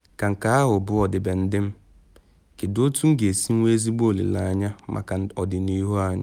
Ka nke ahụ bụ ọdịbendị m, kedu otu m ga-esi nwee ezigbo olile anya maka ọdịnihu anyị?”